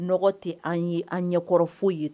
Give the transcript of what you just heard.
Nɔgɔ tɛ an ye an ɲɛkɔrɔ ye ten